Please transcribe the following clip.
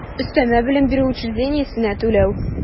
Өстәмә белем бирү учреждениесенә түләү